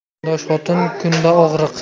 kundosh xotin kunda og'riq